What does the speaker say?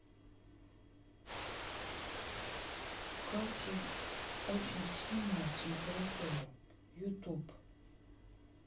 у кати очень сильная температура youtube